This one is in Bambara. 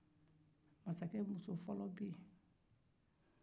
masake muso fɔlɔ be yen